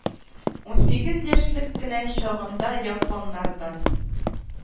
Унсигез яшьлек кенә чагында японнардан